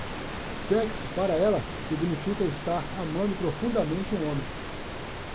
sexo para ela significa estar amando profundamente um homem